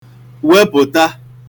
wepụ̀tà